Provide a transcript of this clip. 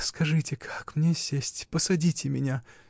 — Скажите, как мне сесть, посадите меня!.